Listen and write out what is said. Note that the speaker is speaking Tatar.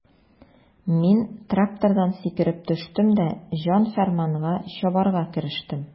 Мин трактордан сикереп төштем дә җан-фәрманга чабарга керештем.